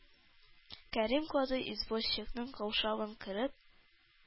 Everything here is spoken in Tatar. Кәрим казый, извозчикның каушавын күреп